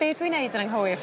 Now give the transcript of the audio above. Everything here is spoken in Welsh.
Be' dwi'n neud yn anghywir?